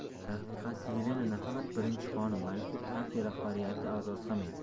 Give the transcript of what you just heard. rafiqasi yelena nafaqat birinchi xonim balki partiya rahbariyati a'zosi ham edi